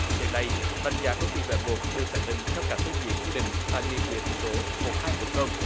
hiện nay đánh giá đô thị loại một được xác định theo các tiêu chí quy định tại nghị quyết số một hai bốn không